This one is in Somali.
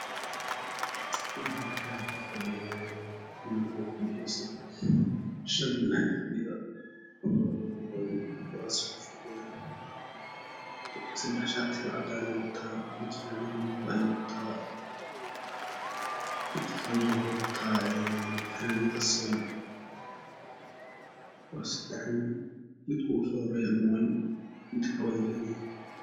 Halkan waxaa dhafiyan shan nin kurasey ku fadhiyan sedax shar cadaney watan mid funaanad madow wata